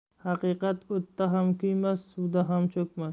haqiqat o'tda ham kuymas suvda ham cho'kmas